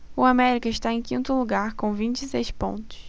o américa está em quinto lugar com vinte e seis pontos